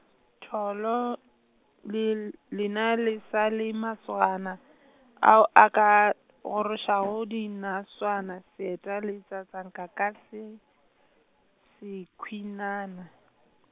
Tholo, lel-, lena le sa le masogana, a o a ka gorošago dinaswana seeta le tsatsanka ka se, sekhwinana.